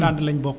Ndande lañ bokk